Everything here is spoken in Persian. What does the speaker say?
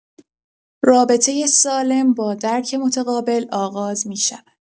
رابطه سالم با درک متقابل آغاز می‌شود.